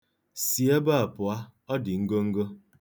Si ebe pụọ, ọ dị ngongo.